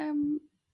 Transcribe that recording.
Yrm.